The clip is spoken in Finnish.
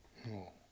juu